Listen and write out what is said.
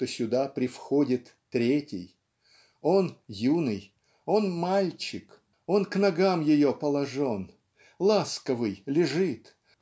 что сюда привходит третий. Он юный, он мальчик он к ногам ее положен ласковый лежит